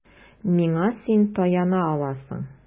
Миңа син таяна аласың.